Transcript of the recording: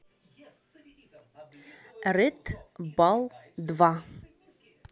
red ball два